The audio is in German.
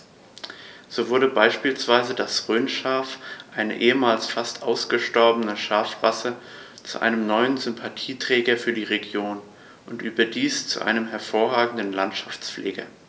So wurde beispielsweise das Rhönschaf, eine ehemals fast ausgestorbene Schafrasse, zu einem neuen Sympathieträger für die Region – und überdies zu einem hervorragenden Landschaftspfleger.